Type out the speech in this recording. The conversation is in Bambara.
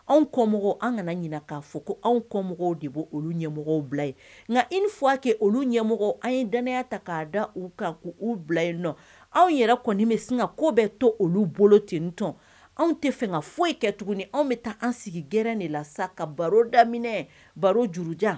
Anw kɔ mɔgɔw anw kana ɲininka k'a fɔ ko anw kɔ mɔgɔw de' ɲɛmɔgɔ bila ye nka i fɔ' a kɛ olu ɲɛmɔgɔ an ye danya ta k'a da u kan k' u bilayi nɔ anw yɛrɛ kɔni bɛ sin ka ko bɛ to olu bolo tentɔn anw tɛ fɛ ka foyi kɛ tuguni anw bɛ taa an sigiɛrɛ de la sa ka baro daminɛ baro jurujan